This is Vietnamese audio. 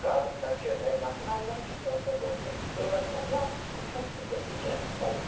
không cái chuyện đấy năm hằng năm chúng tôi có bổ nhiệm nhiều lần khác nhau nên không có chuyện gì cả